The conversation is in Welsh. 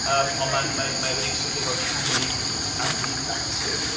Ymm ond mae... mae wedi cysylltu â canu am fyd natur